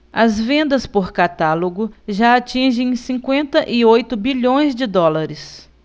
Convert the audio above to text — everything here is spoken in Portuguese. as vendas por catálogo já atingem cinquenta e oito bilhões de dólares